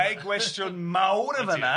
Ddau gwestiwn mawr yn fan'na.